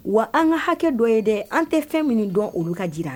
Wa an ka hakɛ dɔ ye dɛ an tɛ fɛn minnu dɔn olu ka jira